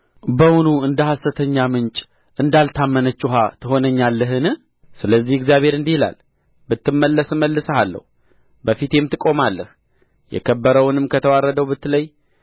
በውኑ እንደ ሐሰተኛ ምንጭ እንዳልታመነች ውኃ ትሆነኛለህን ስለዚህ እግዚአብሔር እንዲህ ይላል ብትመለስ እመልስሃለሁ በፊቴም ትቆማለህ የከበረውንም ከተዋረደው ብትለይ